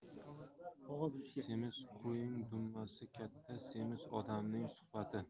semiz qo'yning dumbasi katta semiz odamning suhbati